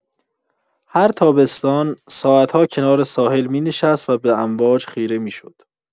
هر تابستان، ساعت‌ها کنار ساحل می‌نشست و به امواج خیره می‌شد.